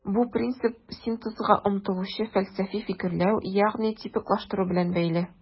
Бу принцип синтезга омтылучы фәлсәфи фикерләү, ягъни типиклаштыру белән бәйле.